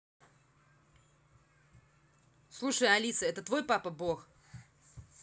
слушай алиса это твой папа бог